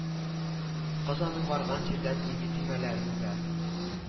Кыз аның барган җирдән ими төймәләрен үбә